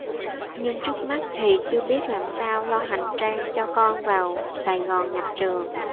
nhưng trước mắt thì chưa biết làm sao lo hành trang cho con vào sài gòn nhập trường